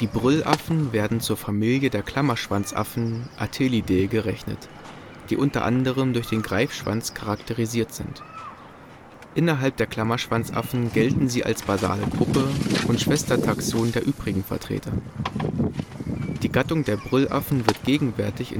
Brüllaffen werden zur Familie der Klammerschwanzaffen (Atelidae) gerechnet, die unter anderem durch den Greifschwanz charakterisiert sind. Innerhalb der Klammerschwanzaffen gelten sie als basale Gruppe und Schwestertaxon der übrigen Vertreter. Die Gattung der Brüllaffen wird gegenwärtig